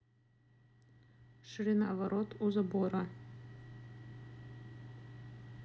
ширина ворот у забора